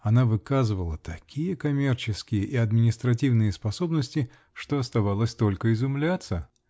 Она выказывала такие коммерческие и административные способности, что оставалось только изумляться!